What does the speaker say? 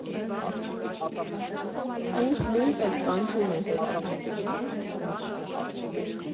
Ինձ նույնպես կանչում է հետը։